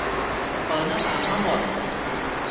เปิดหน้าต่างทั้งหมด